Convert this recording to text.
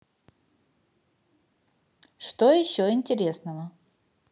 что еще интересного